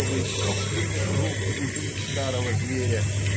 чтобы из собственных рук убить старого зверя